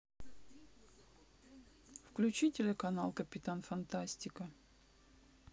включи телеканал капитан фантастика